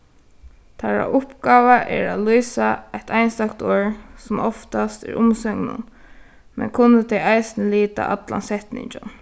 teirra uppgáva er at lýsa eitt einstakt orð sum oftast er umsøgnin men kunnu tey eisini lita allan setningin